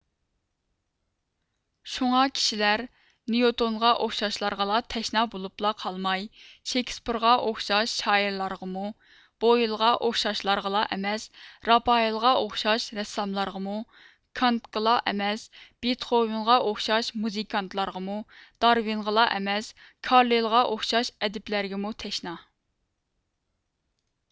شۇڭا كىشىلەر نيۇتونغا ئوخشاشلارغا تەشنا بولۇپلا قالماي شېكىسپېرغا ئوخشاش شائىرلارغىمۇ بويىلغا ئوخشاشلارغىلا ئەمەس راپائېلغا ئوخشاش رەسساملارغىمۇ كانتقىلا ئەمەس بېتخوۋېنغا ئوخشاش مۇزىكانتلارغىمۇ دارۋېنغىلا ئەمەس كارلىلىغا ئوخشاش ئەدىبلەرگىمۇ تەشنا